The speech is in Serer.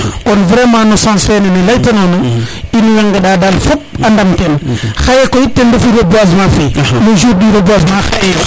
kon vraiment no sens fe nene leyta nona in woy nganda dal fop a ndam ten xaye koy ten refu reboisement fe le jour du reboisement xaye yo